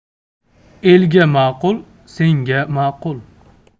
elga ma'qul senga ma'qul